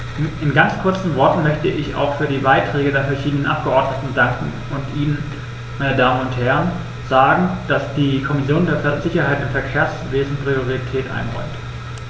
In ganz kurzen Worten möchte ich auch für die Beiträge der verschiedenen Abgeordneten danken und Ihnen, meine Damen und Herren, sagen, dass die Kommission der Sicherheit im Verkehrswesen Priorität einräumt.